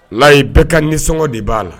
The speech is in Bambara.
Layi bɛɛ ka nisɔngɔ de b'a la